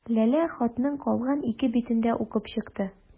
Ләлә хатның калган ике битен дә укып чыкты.